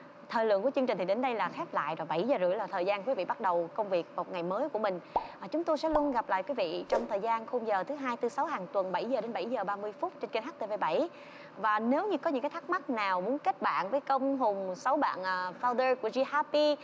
thời lượng của chương trình thì đến đây là khép lại rồi bảy giờ rưỡi là thời gian quý vị bắt đầu công việc một ngày mới của mình chúng tôi sẽ luôn gặp lại quý vị trong thời gian khung giờ thứ hai tư sáu hằng tuần bảy giờ đến bảy giờ ba mươi phút trên kênh hát tê vê bảy và nếu như có những cái thắc mắc nào muốn kết bạn với công hùng sáu bạn à phao đơ của di háp pi